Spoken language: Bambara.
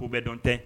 Ko bɛ dɔn tɛ